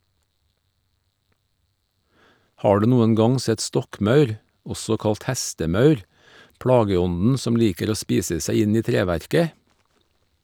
Har du noen gang sett stokkmaur, også kalt hestemaur, plageånden som liker å spise seg inn i treverket?